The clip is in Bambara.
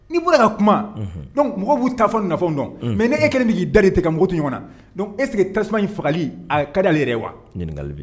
N'i bɔra ka kuma mɔgɔ b'u taa fɔ nafaw dɔn mɛ ne e kelen b k'i da de tigɛ ka n mugutu ɲɔgɔn na e sigi tasuma in fagali a ka ale yɛrɛ wa ɲininkakalibi